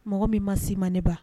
Mɔgɔ min ma si ma ne ba